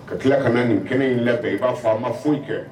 Ka tila ka na nin kɛnɛ in labɛn i b'a fɔ a ma foyi kɛ